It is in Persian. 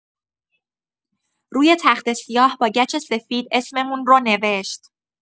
روی تخته‌سیاه با گچ سفید اسممون رو نوشت.